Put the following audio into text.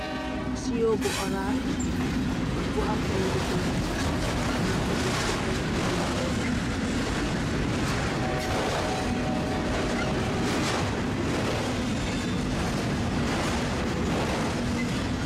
Sow bu orance bu am ay rëdd-rëdd nung ko tèk chi ay karo yi weeh.